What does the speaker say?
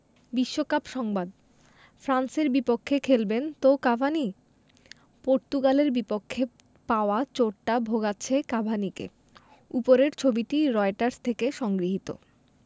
বিশ্বকাপ সংবাদ ফ্রান্সের বিপক্ষে খেলবেন তো কাভানি পর্তুগালের বিপক্ষে পাওয়া চোটটা ভোগাচ্ছে কাভানিকে ওপরের ছবিটি রয়টার্স থেকে সংগৃহীত